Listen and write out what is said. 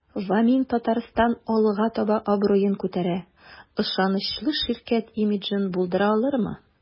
"вамин-татарстан” алга таба абруен күтәрә, ышанычлы ширкәт имиджын булдыра алырмы?